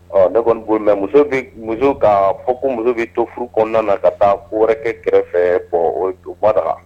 Ɔ ne kɔni' mɛ muso muso ka fɔ ko muso bɛ to furu kɔnɔna na ka taa wɛrɛkɛ kɛrɛfɛ to bada la